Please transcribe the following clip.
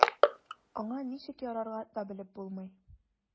Аңа ничек ярарга да белеп булмый.